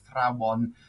athrawon